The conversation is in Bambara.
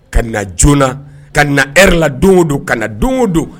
Ka joona ka ela don don ka don o don